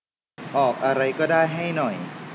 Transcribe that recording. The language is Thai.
ออกอะไรก็ได้ให้หน่อย